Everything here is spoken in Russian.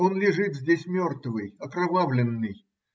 Он лежит здесь мертвый, окровавленный.